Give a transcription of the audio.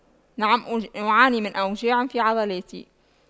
نعم أعاني من أوجاع في عضلاتي